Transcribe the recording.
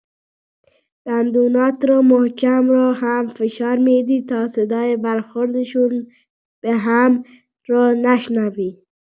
دندونات رو محکم رو هم فشار می‌دی تا صدای برخوردشون بهم رو نشنوی.